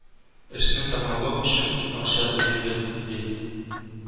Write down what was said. Эшне тәмамлау өчен акча эзлибез, ди